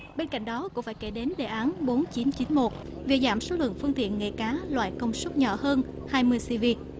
bên cạnh đó cũng phải kể đến đề án bốn chín chín một về giảm số lượng phương tiện nghề cá loại công suất nhỏ hơn hai mươi xi vi